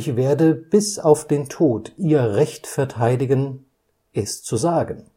werde bis auf den Tod Ihr Recht verteidigen, es zu sagen